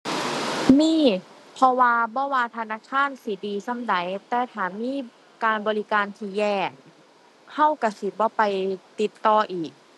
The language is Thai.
มี เพราะว่าบ่ว่าธนาคารสิดีส่ำใด แต่ถ้ามีการบริการที่แย่เราเราสิบ่ไปติดต่ออีก